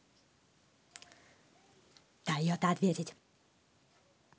тойота ответить